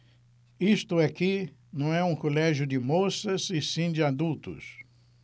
isto aqui não é um colégio de moças e sim de adultos